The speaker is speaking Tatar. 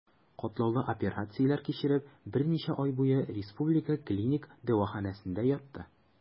Катлаулы операцияләр кичереп, берничә ай буе Республика клиник дәваханәсендә ятты.